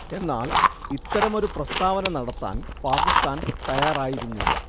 എന്നാൽ ഇത്തരമൊരു പ്രസ്താവന നടത്താൻ പാകിസ്താൻ തയ്യാറായിരുന്നില്ല